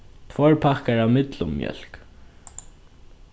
tveir pakkar av millummjólk